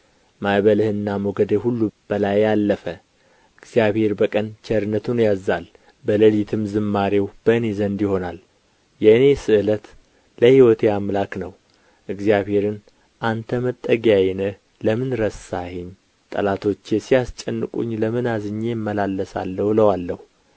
ማዕበልህና ሞገድህ ሁሉ በላዬ አለፈ እግዚአብሔር በቀን ቸርነቱን ያዝዛል በሌሊትም ዝማሬው በእኔ ዘንድ ይሆናል የእኔ ስእለት ለሕይወቴ አምላክ ነው እግዚአብሔርን አንተ መጠጊያዬ ነህ ለምን ረሳኸኝ ጠላቶቼ ሲያስጨንቁኝ ለምን አዝኜ እመላለሳለሁ እለዋለሁ